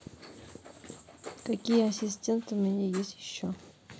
какие ассистенты у меня есть еще